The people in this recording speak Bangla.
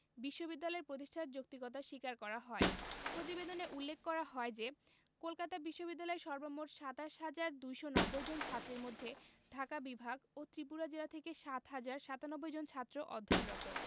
বিশ্ববিদ্যালয় প্রতিষ্ঠার যৌক্তিকতা স্বীকার করা হয় প্রতিবেদনে উল্লেখ করা হয় যে কলকাতা বিশ্ববিদ্যালয়ের সর্বমোট ২৭ হাজার ২৯০ জন ছাত্রের মধ্যে ঢাকা বিভাগ ও ত্রিপুরা জেলা থেকে ৭ হাজার ৯৭ জন ছাত্র অধ্যয়নরত